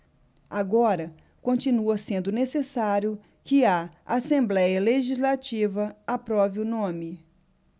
agora continua sendo necessário que a assembléia legislativa aprove o nome